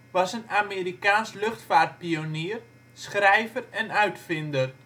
was een Amerikaans luchtvaartpionier, schrijver en uitvinder